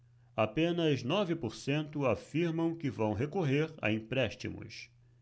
apenas nove por cento afirmam que vão recorrer a empréstimos